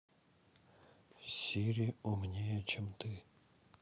сири умнее чем ты